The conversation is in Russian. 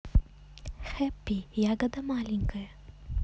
happy ягода маленькая